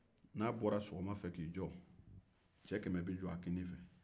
n'a bɔra sɔgɔma fɛ k'i jɔ cɛ kɛmɛ bɛ jɔ a kinin fɛ